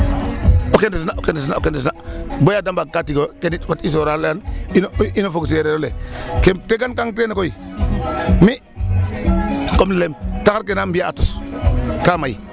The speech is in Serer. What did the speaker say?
O kendes na, o kendes na, o kendes na baya da mbaagka tig oyo kene yit fat i sorale'an ino fog seereer ole keem tegankang teen koy mi' comme lem taxar ke na mbi'aa a tos ka may,